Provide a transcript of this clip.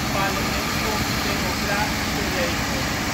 parlement volgens democratische regels